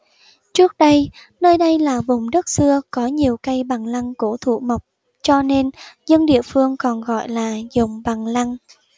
trước đây nơi đây là vùng đất xưa có nhiều cây bằng lăng cổ thụ mọc cho nên dân địa phương còn gọi là giồng bằng lăng